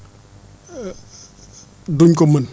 duñ ko mun